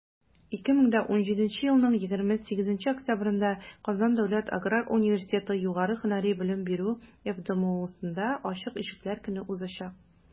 2017 елның 28 октябрендә «казан дәүләт аграр университеты» югары һөнәри белем бирү фдбмусендә ачык ишекләр көне узачак.